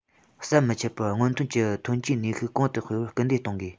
ཟམ མི ཆད པར སྔོན ཐོན གྱི ཐོན སྐྱེད ནུས ཤུགས གོང དུ སྤེལ བར སྐུལ འདེད གཏོང དགོས